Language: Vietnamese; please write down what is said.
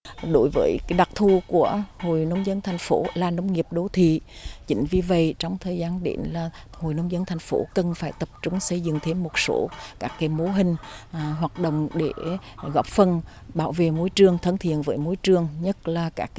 đối với đặc thù của hội nông dân thành phố là nông nghiệp đô thị chính vì vậy trong thời gian đến là người nông dân thành phố cần phải tập trung xây dựng thêm một số các cái mô hình hoạt động để góp phần bảo vệ môi trường thân thiện với môi trường nhất là các